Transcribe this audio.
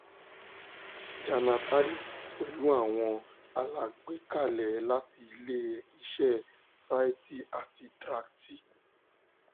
Jannat Ali Pẹ̀lú àwọn alágbèékalẹ̀ láti ilé-iṣẹ́ Sathi àti Track-T.